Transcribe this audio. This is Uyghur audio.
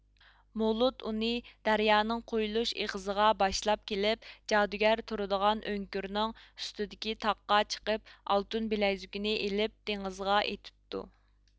مولۇد ئۇنى دەريانىڭ قۇيۇلۇش ئېغىزىغا باشلاپ كېلىپ جادۇگەر تۇرىدىغان ئۆڭكۈرنىڭ ئۈستىدىكى تاغقا چىقىپ ئالتۇن بىلەيزۈكىنى ئېلىپ دېڭىزغا ئېتىپتۇ